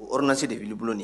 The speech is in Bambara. O ordonnance de b'i bolo nin ye